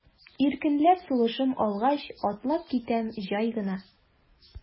Иркенләп сулышым алгач, атлап китәм җай гына.